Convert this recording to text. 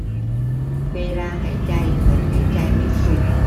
เวลาหายใจเหมือนหายใจไม่สุด